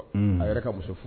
Hun,a yɛrɛ ka muso fu